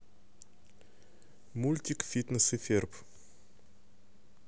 мультик финес и ферб